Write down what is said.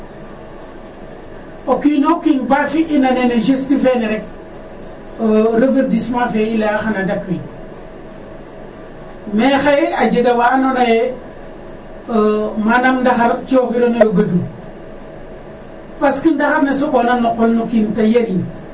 O kiin o kiin ba fi'ina nene geste fene rek reverdissemnt fene i laya xana dakwiid mais xaye a jega wa andoona ye manam ndaxar cooxirano yo ged parce que ndaxar ne soɓoona, soɓoona no qol no kiin ta yarin